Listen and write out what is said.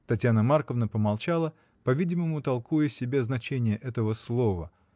Татьяна Марковна помолчала, по-видимому, толкуя себе значение этого слова.